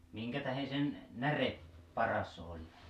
minkä tähden sen näre paras oli